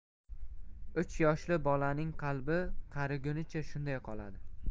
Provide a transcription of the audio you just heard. uch yoshli bolaning qalbi qarigunicha shunday qoladi